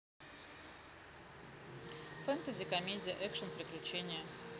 фэнтези комедия экшн приключения